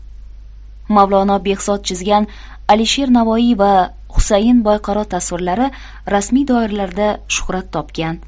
mavlono behzod chizgan alisher navoiy va husayn boyqaro tasvirlari rasmiy doiralarda shuhrat topgan